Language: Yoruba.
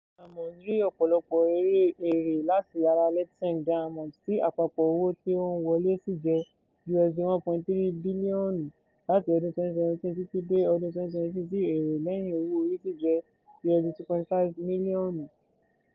GEM Diamonds rí ọ̀pọ̀lọpọ̀ èrè rẹ̀ láti ara Letseng Diamonds, tí àpapọ̀ owó tí ó ń wọlé sì jẹ́ USD 1.3 bílíọ̀nù láti ọdún 2017 títí di ọdún 2023 tí èrè lẹ́yìn owó orí sì jẹ́ USD 259 mílíọ̀nù.